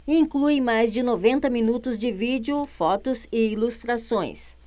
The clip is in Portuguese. inclui mais de noventa minutos de vídeo fotos e ilustrações